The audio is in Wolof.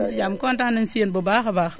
ñu ngi si jàmm kontaan nañu si yéen bu baax a baax